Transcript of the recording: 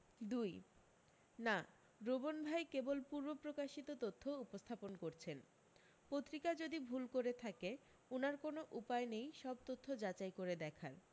দুই না রোবন ভাই কেবল পূর্বপ্রকাশিত তথ্য উপস্থাপন করছেন প্ত্রিকা যদি ভুল করে থাকে উনার কোনো উপায় নেই সব তথ্য যাচাই করে দেখার